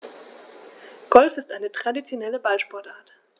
Golf ist eine traditionelle Ballsportart.